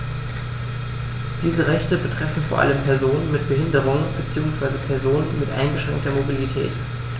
Diese Rechte betreffen vor allem Personen mit Behinderung beziehungsweise Personen mit eingeschränkter Mobilität.